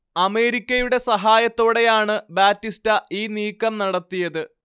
അമേരിക്കയുടെ സഹായത്തോടെയാണ് ബാറ്റിസ്റ്റ ഈ നീക്കം നടത്തിയത്